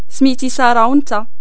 اسميتي سارة و نتا